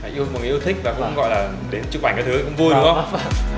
yêu mọi người yêu thích và cũng gọi là đến chụp ảnh các thứ cũng vui đúng không